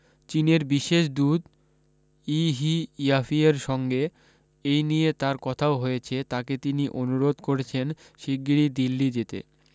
চীনের বিশেষ দূত ই হি ইয়াফইয়ের সঙ্গে এই নিয়ে তার কথাও হয়েছে তাঁকে তিনি অনুরোধ করেছেন শিগগিরই দিল্লী যেতে